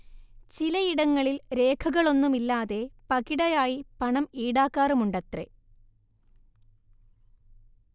ചിലയിടങ്ങളിൽ രേഖകളൊന്നുമില്ലാതെ 'പകിട'യായി പണം ഈടാക്കാറുമുണ്ടത്രെ